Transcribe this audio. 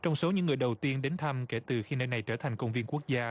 trong số những người đầu tiên đến thăm kể từ khi nơi này trở thành công viên quốc gia